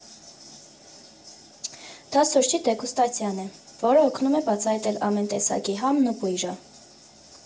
Դա սուրճի դեգուստացիան է, որն օգնում է բացահայտել ամեն տեսակի համն ու բույրը։